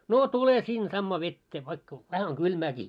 no tule sinne samaan veteen vaikka vähän on kylmääkin